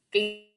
i